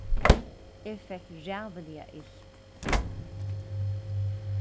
eg fekk ræðuliga ilt